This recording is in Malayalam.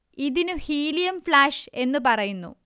ഇതിനു ഹീലിയം ഫ്ലാഷ് എന്നു പറയുന്നു